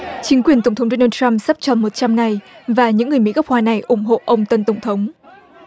chính quyền tổng thống đô na trăm sắp tròn một trăm ngày và những người mỹ gốc hoa này ủng hộ ông tân tổng thống